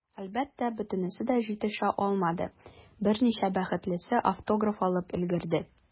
Әлбәттә, бөтенесе дә җитешә алмады, берничә бәхетлесе автограф алып өлгерде.